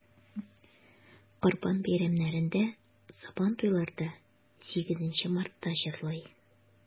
Корбан бәйрәмнәрендә, Сабантуйларда, 8 Мартта җырлый.